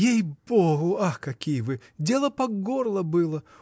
— Ей-богу, ах, какие вы: дела по горло было!